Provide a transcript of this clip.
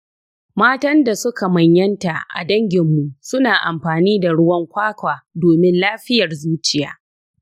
matan da suka manyanta a danginmu suna amfani da ruwan kwakwa domin lafiyar zuciya.